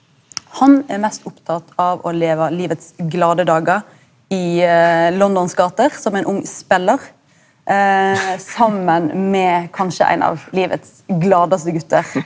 han er mest opptatt av å leva livets glade dagar i Londons gater som en ung spelar saman med kanskje ein av livets gladaste gutar.